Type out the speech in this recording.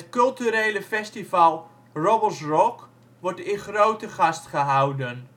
culturele festival Robles Rock wordt in Grootegast gehouden